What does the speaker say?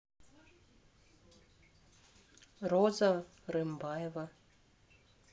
роза рымбаева